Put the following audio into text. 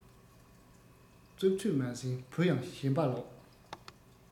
རྩུབ ཚོད མ ཟིན བུ ཡང ཞེན པ ལོག